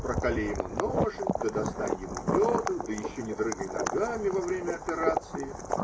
Прокали ему ножик, да достань ему йоду, да еще не дрыгай ногами во время операции.